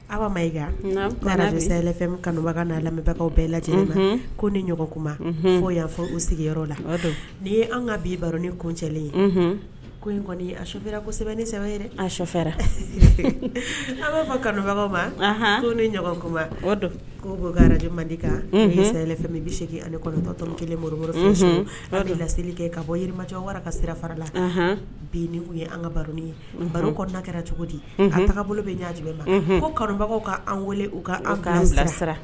Aw ma i bɛsa kanubaga n'a lamɛnbagaw bɛɛ lajɛ lajɛlen ma ko ni ɲɔgɔn kuma fo y'a fɔ u sigiyɔrɔ la nii ye an ka bi baro ni kun cɛlen ko kɔni su sɛbɛn ne sɛbɛnfɛra an b'a fɔ kanubagaw ma ko ni ɲɔgɔn kuma ko ara mandi kan saya bɛ se anitɔ kelen mori la selieli kɛ ka bɔmajɔ wara ka sira farala bin ye an ka baro ye baro kɛra cogo di a taga bolo bɛ ɲɛjibi ma ko kanubagaw kaan wele u kaan kasira